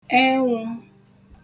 ẹnwụ̄